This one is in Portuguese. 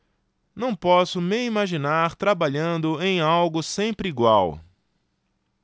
não posso me imaginar trabalhando em algo sempre igual